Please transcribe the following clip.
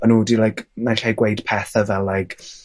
o'n nw 'di like naill ai gweud pethe fel like